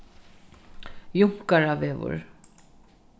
junkaravegur